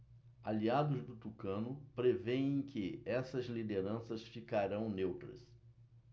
aliados do tucano prevêem que essas lideranças ficarão neutras